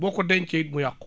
boo ko dencee it mu yàqu